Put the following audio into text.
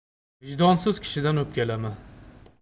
vijdonsiz kishidan o'pkalama